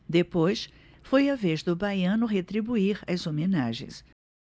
depois foi a vez do baiano retribuir as homenagens